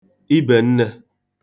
ibènnē